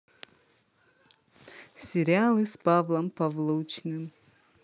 сериалы с павлом павлучным